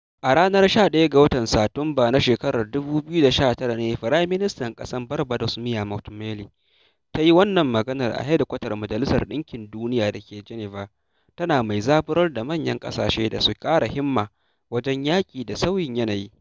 A ranar 11 ga Satumba na shekarar 2019 ne Firaministan ƙasar Barbados Mia Mottley ta yi wannan maganar a hedkwatar Majalisar ɗinkin Duniya da ke Geneva, tana mai zaburar da manyan ƙasashe da su ƙara himma wajen yaƙi da sauyin yanayi.